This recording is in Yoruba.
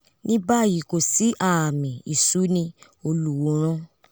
Ni bayii, kosi aami isuni oluworan.